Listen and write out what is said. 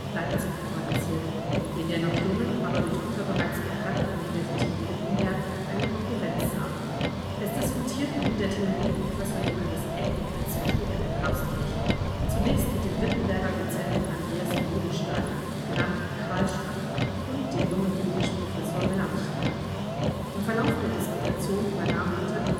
Leipzig organisiert, die in der noch jungen, aber durch Luther bereits bekannten Universität Wittenberg eine Konkurrenz sah. Es diskutierten der Theologieprofessor Johannes Eck (als Vertreter der Papstkirche) zunächst mit dem Wittenberger Dozenten Andreas Bodenstein (genannt Karlstadt) und dem jungen Griechischprofessor Melanchthon. Im Verlauf der Disputation übernahm Luther die